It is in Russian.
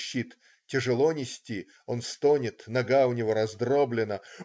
щит, тяжело нести, он стонет, нога у него раздроблена.